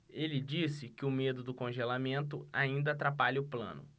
ele disse que o medo do congelamento ainda atrapalha o plano